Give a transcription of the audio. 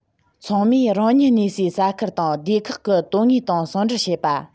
ཚང མས རང ཉིད གནས སའི ས ཁུལ དང སྡེ ཁག གི དོན དངོས དང ཟུང འབྲེལ བྱེད པ